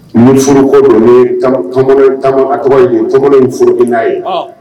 Muforoko ne kamalen kama a kɔrɔ yen tɔgɔ in furuorobina ye